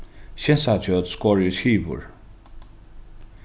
skinsakjøt skorið í skivur